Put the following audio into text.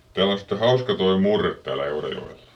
täällä on sitten hauska tuo murre täällä Eurajoella